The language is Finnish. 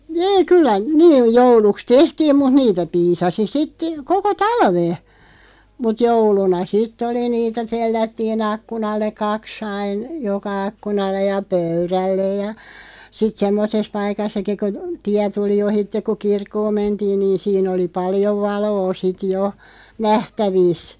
niin kyllä niin jouluksi tehtiin mutta niitä piisasi sitten koko talven mutta jouluna sitten oli niitä tellättiin ikkunalle kaksi aina joka ikkunalle ja pöydälle ja sitten semmoisessa paikassakin kun tie tuli ohitse kun kirkkoon mentiin niin siinä oli paljon valoa sitten jo nähtävissä